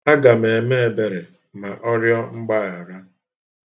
Aga m eme ebere ma ọ rịọ mgbagharạ